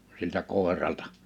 siltä koiralta